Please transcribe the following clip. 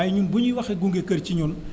waaye ñun bu ñuy wax gunge kër ci ñun